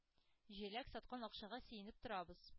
Җиләк саткан акчага сөенеп торабыз.